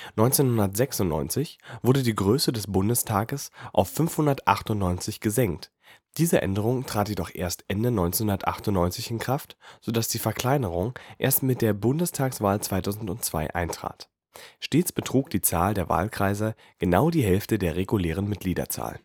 1996 wurde die Größe des Bundestages auf 598 gesenkt, diese Änderung trat jedoch erst Ende 1998 in Kraft, so dass die Verkleinerung erst mit der Bundestagswahl 2002 eintrat. Stets betrug die Zahl der Wahlkreise genau die Hälfte der regulären Mitgliederzahl